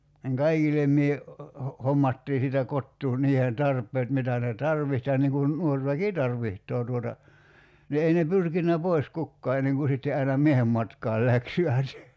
niin kaikille minä - hommattiin siitä kotoa niiden tarpeet mitä ne tarvitsi ja niin kuin nuori väki tarvitsee tuota niin ei ne pyrkinyt pois kukaan ennen kuin sitten aina miehen matkaan läksivät